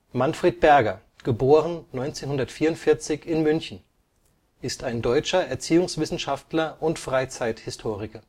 Manfred Berger (* 1944 in München), ist ein deutscher Erziehungswissenschaftler und Freizeithistoriker